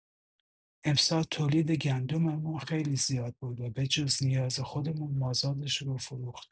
امسال تولید گندم‌مون خیلی زیاد بود و به‌جز نیاز خودمون، مازادش رو فروختیم.